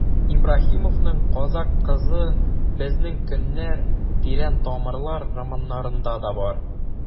Ибраһимовның «Казакъ кызы», «Безнең көннәр», «Тирән тамырлар» романнарында да бар.